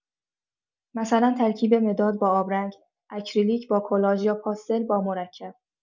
مثلا ترکیب مداد با آبرنگ، اکریلیک با کلاژ یا پاستل با مرکب.